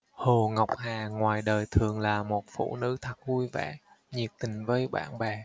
hồ ngọc hà ngoài đời thường là một phụ nữ thật vui vẻ nhiệt tình với bạn bè